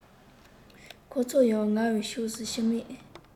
ཁོ ཚོ ཡང ངའི ཕྱོགས སུ ཕྱི མིག